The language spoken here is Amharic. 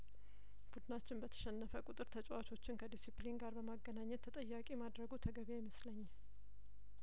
ቡድናችን በተሸነፈ ቁጥር ተጫዋቾችን ከዲስፕሊን ጋር በማገናኘት ተጠያቂ ማድረጉ ተገቢ አይመስለኝም